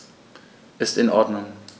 Ist in Ordnung.